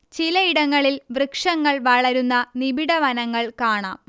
ചിലയിടങ്ങളിൽ വൃക്ഷങ്ങൾ വളരുന്ന നിബിഡ വനങ്ങൾ കാണാം